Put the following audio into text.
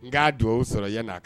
N ka dugawu sɔrɔ yan na ka